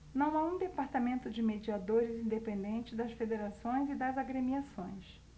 não há um departamento de mediadores independente das federações e das agremiações